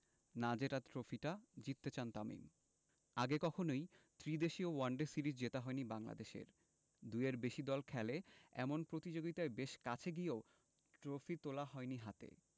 না জেতা ট্রফিটা জিততে চান তামিম আগে কখনোই ত্রিদেশীয় ওয়ানডে সিরিজ জেতা হয়নি বাংলাদেশের দুইয়ের বেশি দল খেলে এমন প্রতিযোগিতায় বেশ কাছে গিয়েও ট্রফি তোলা হয়নি হাতে